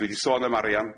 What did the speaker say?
Dwi di sôn am arian.